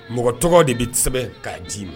Mɔgɔ tɔgɔ de bɛ sɛbɛn k'a d'i ma